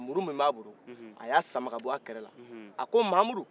muuru min b'a bolo a y'a sama ka b' kɛrala a ko mamudu